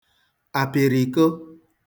àpị̀rị̀ko